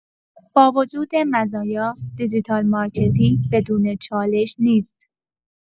با وجود مزایا، دیجیتال مارکتینگ بدون چالش نیست.